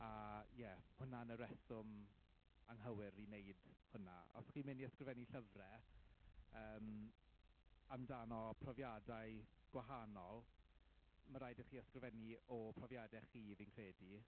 A ie hwnna'n y reswm anghywir i wneud hwnna. Os chi'n mynd i ysgrifennu llyfrau yym amdano profiadau gwahanol, ma' raid i chi ysgrifennu o profiadau chi, fi'n credu.